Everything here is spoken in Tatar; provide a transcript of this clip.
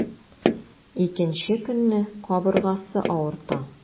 Икенче көнне кабыргасы авырта.